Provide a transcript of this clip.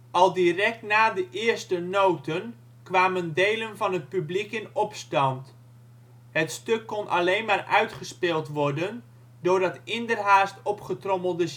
Al direct na de eerste noten kwamen delen van het publiek in opstand. Het stuk kon alleen maar uitgespeeld worden doordat inderhaast opgetrommelde